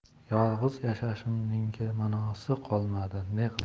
yolg'iz yashashimning manosi qolmadi ne qilay